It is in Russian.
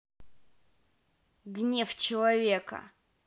гнев человека